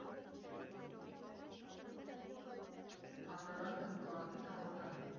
Թանգարանի ու քաղաքի ապագան։